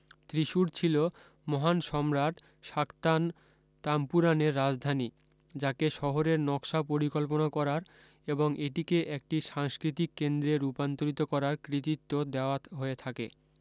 ত্রিসূর ছিল মহান সম্রাট শাক্তান তাম্পুরানের রাজধানী যাকে শহরের নকশা পরিকল্পনা করার এবং এটিকে একটি সাংস্কৃতিক কেন্দ্রে রূপান্তরিত করার কৃতিত্ব দেওয়া হয়ে থাকে